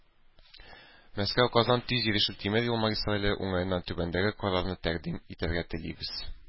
“мәскәү-казан тизйөрешле тимер юл магистрале уңаеннан түбәндәге карарны тәкъдим итәргә телибез.